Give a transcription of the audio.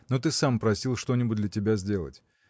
но ты сам просил что-нибудь для тебя сделать